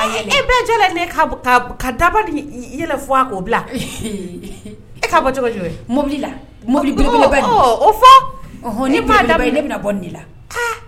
e bɛɛ yɛlɛ fɔ k'o bila e ka bɔ cogo mɔbili labili o fɔ ba da ne bɛna bɔ nin la